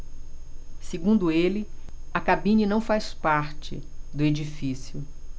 segundo ele a cabine não faz parte do edifício